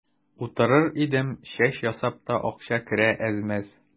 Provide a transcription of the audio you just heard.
Утырыр идем, чәч ясап та акча керә әз-мәз.